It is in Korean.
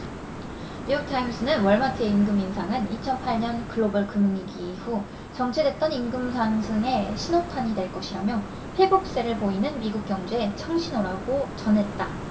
뉴욕타임스는 월마트의 임금 인상은 이천 팔 년 글로벌 금융 위기 이후 정체됐던 임금 상승의 신호탄이 될 것이라며 회복세를 보이는 미국 경제에 청신호라고 전했다